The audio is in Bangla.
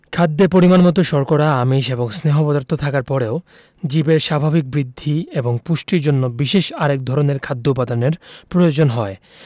খাদ্যে পরিমাণমতো শর্করা আমিষ এবং স্নেহ পদার্থ থাকার পরেও জীবের স্বাভাবিক বৃদ্ধি এবং পুষ্টির জন্য বিশেষ আরেক ধরনের খাদ্য উপাদানের প্রয়োজন হয়